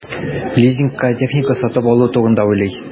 Лизингка техника сатып алу турында уйлый.